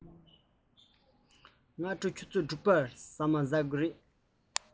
ཕྱི དྲོ ཆུ ཚོད དྲུག པར ཁ ལག གཏོང གི རེད